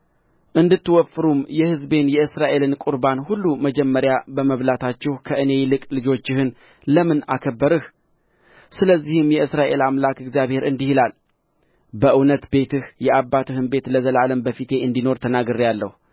እንድትወፍሩም የሕዝቤን የእስራኤልን ቍርባን ሁሉ መጀመሪያ በመብላታችሁ ከእኔ ይልቅ ልጆችህን ለምን አከበርህ ስለዚህም የእስራኤል አምላክ እግዚአብሔር እንዲህ ይላል በእውነት ቤትህ የአባትህም ቤት ለዘላለም በፊቴ እንዲኖር ተናግሬአለሁ